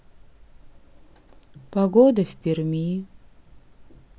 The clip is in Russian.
погода в перми